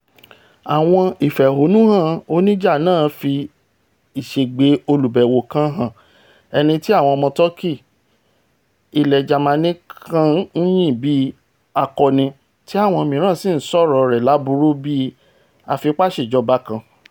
Àwọn ìfẹ̀hónúhàn oníjà náà fi ìṣègbè olùbẹ̀wò kan hàn ẹniti àwọn ọmọ Tọki ilẹ̀ Jamani kan ńyìn bí akọni tí àwọn mìíràn sì ńsọ̀rọ̀ rẹ̀ láburú bí afipáṣejọba kan.